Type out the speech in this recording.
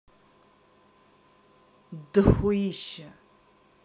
дохуище